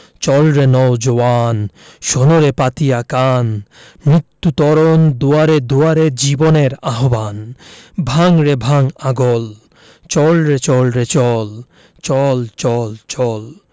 চল রে নও জোয়ান শোন রে পাতিয়া কান মৃত্যু তরণ দুয়ারে দুয়ারে জীবনের আহবান ভাঙ রে ভাঙ আগল চল রে চল রে চল চল চল চল